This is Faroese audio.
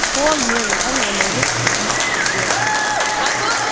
hon hevur enn eina rúgvu eftir at gera